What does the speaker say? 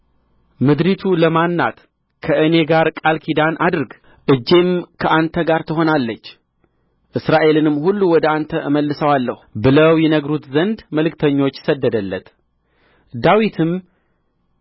ምድሪቱ ለማን ናት ከእኔ ጋር ቃል ኪዳን አድርግ እጄም ከአንተ ጋር ትሆናለች እስራኤልንም ሁሉ ወደ አንተ እመልሰዋለሁ ብለው ይነግሩት ዘንድ መልእክተኞች ሰደደለት ዳዊትም